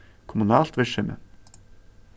kommunalt virksemi